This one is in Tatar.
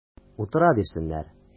Утыра бирсеннәр!